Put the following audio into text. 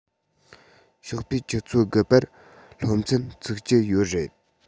ཞོགས པའི ཆུ ཚོད དགུ པར སློབ ཚན ཚུགས ཀྱི ཡོད རེད